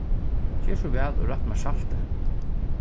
ger so væl og rætt mær saltið